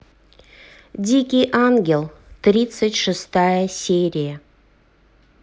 дикий ангел тридцать шестая серия